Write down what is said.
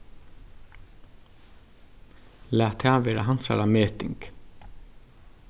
lat tað vera hansara meting